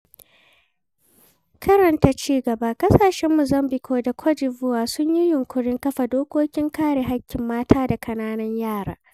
Karanta cigaba: ƙasashen Muzambiƙue da Cote d'Iɓoire sun yi yunƙurin kafa dokokin kare haƙƙin mata da ƙananan yara.